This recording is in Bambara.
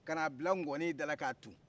kana bila ŋɔni dala ka tun